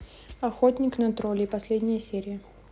охотник на троллей последняя серия